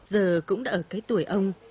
giờ cũng đã ở cái tuổi ông